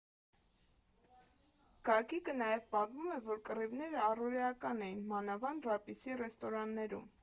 Գագիկը նաև պատմում է, որ կռիվները առօրեական էին, մանավանդ ՌԱԲԻՍ֊ի ռեստորաններում։